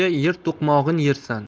yer to'qmog'in yersan